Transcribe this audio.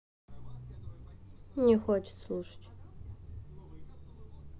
не хочет слушать